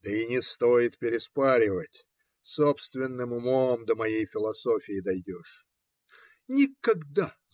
Да и не стоит переспаривать: собственным умом до моей философии дойдешь. - Никогда!